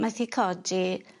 methu codi